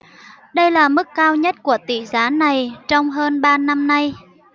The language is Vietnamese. đây là mức cao nhất của tỷ giá này trong hơn ba năm nay